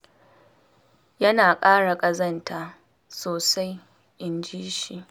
“Yana ƙara ƙazanta sosai,” inji shi.